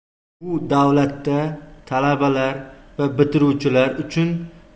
bu davlatda talabalar va bitiruvchilar